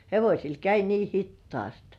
hevosilla kävi niin hitaasti